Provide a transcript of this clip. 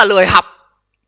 lười học